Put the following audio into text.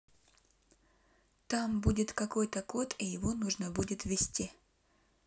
там будет какой то код и его нужно будет ввести